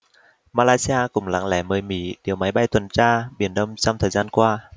malaysia cũng lặng lẽ mời mỹ điều máy bay tuần tra biển đông trong thời gian qua